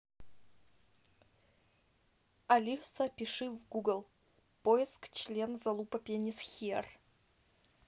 алиса пиши в google поиск член залупа пенис хер